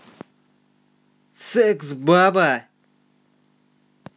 секс баба